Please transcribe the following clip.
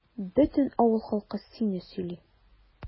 Бөтен авыл халкы сине сөйли.